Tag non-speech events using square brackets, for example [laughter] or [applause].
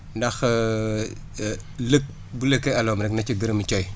ndax [hesitation] lëk bu lekkee alóom rek na ci gërëmee coy